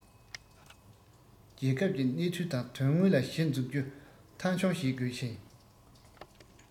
རྒྱལ ཁབ ཀྱི གནས ཚུལ དང དོན དངོས ལ གཞི ཚུགས རྒྱུ མཐའ འཁྱོངས བྱེད དགོས ཤིང